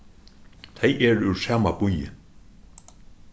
tey eru úr sama býi